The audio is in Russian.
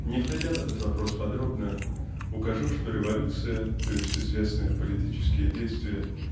Не входя в этот вопрос подробно, укажу, что революция, т. е. известные политические действия